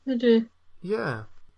Ydi. Ie.